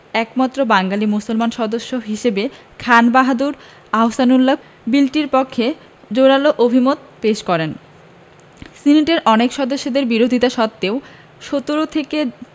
একমাত্র বাঙালি মুসলমান সদস্য হিসেবে খান বাহাদুর আহসানউল্লাহ বিলটির পক্ষে জোরালো অভিমত পেশ করেন সিনেটের অনেক সদস্যের বিরোধিতা সত্ত্বেও ১৭ থেকে